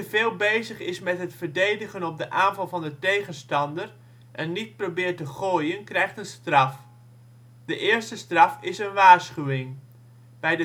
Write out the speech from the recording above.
veel bezig is met het verdedigen op de aanval van de tegenstander en niet probeert te gooien, krijgt een straf. De eerste straf is een waarschuwing. Bij